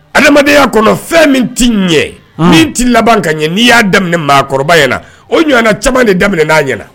Adamadenyaya kɔnɔ fɛn min t tɛ ɲɛ min t'i laban ka ɲɛ n'i y'a daminɛ maakɔrɔba yɛlɛ na o ɲɔgɔn caman de daminɛ n'a yɛlɛ